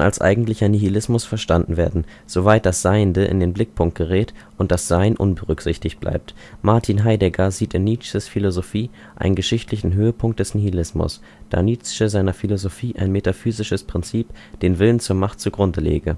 als eigentlicher Nihilismus verstanden werden, soweit das Seiende in den Blickpunk gerät und das Sein unberücksichtigt bleibt. Martin Heidegger sieht in Nietzsches Philosophie einen geschichtlichen Höhepunkt des Nihilismus, da Nietzsche seiner Philosophie ein metaphysisches Prinzip – den Willen zur Macht – zugrunde lege.